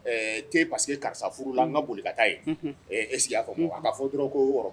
Te parceseke karisa furu la an ka boli ka taa yen e'a ko a ka fɔ dɔrɔn ko yɔrɔ